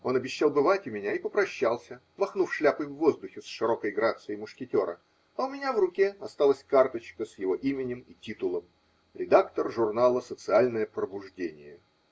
Он обещал бывать у меня и попрощался, махнув шляпой в воздухе с широкой грацией мушкетера, а у меня в руке осталась карточка с его именем и титулом: редактор журнала "Социальное Пробуждение".